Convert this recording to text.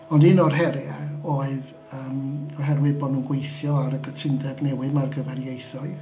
Ond un o'r heriau oedd yym oherwydd bod nhw'n gweithio ar y cytundeb newydd 'ma ar gyfer ieithoedd...